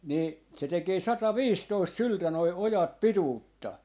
niin se tekee sataviisitoista syltä nuo ojat pituutta